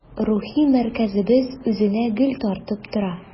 Рухи мәркәзебез үзенә гел тартып тора.